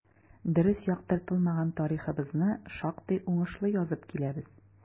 Дөрес яктыртылмаган тарихыбызны шактый уңышлы язып киләбез.